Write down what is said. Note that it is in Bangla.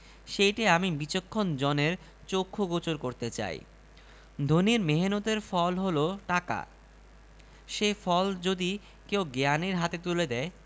সেইটে আমি বিচক্ষণ জনের চক্ষু গোচর করতে চাই ধনীর মেহন্নতের ফল হল টাকা সে ফল যদি কেউ জ্ঞানীর হাতে তুলে দেয়